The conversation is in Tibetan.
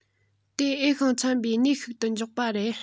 དེ འོས ཤིང འཚམ པའི གནས ཤིག ཏུ འཇོག པ རེད